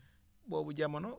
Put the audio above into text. boobu jamono